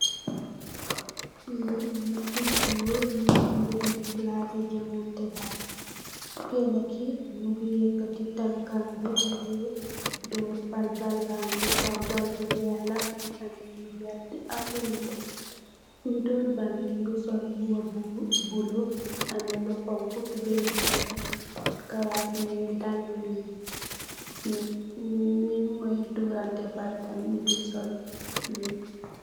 Fi neeti goor nyugi si palaci jogantex baal kena ki mongi yeketi tankam bi monge door baal bi baal bang si kaw baal bu weex la mongi ame lu werta ak lu nete koi door baal bi mongi sol mbuba bu bulu mongi ame lu xonxu tubai bu weex kawas yu weex daal yu weex nyu moi doran tex baal tam nyugi sol lu.